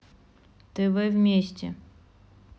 тв вместе